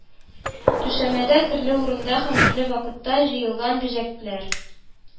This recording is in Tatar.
Түшәмәдә төрле урында һәм төрле вакытта җыелган бөҗәкләр